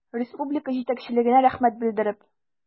Республика җитәкчелегенә рәхмәт белдереп.